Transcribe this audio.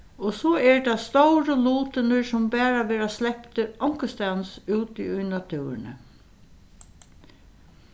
og so eru tað stóru lutirnir sum bara vera sleptir onkustaðnis úti í náttúruni